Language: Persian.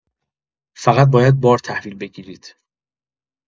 فقط باید بار تحویل بگیرید.